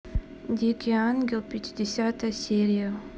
дикий ангел пятидесятая серия